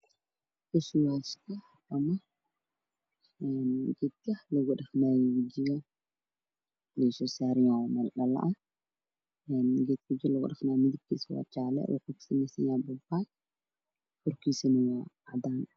Waa caadado midabkoodu yahay jaallo waxaa ku sawiran babaay furka caagadaha waa caddaan